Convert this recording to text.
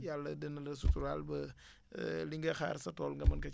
yàlla dana la suturaal ba li ngay xaar sa tool nga mën ko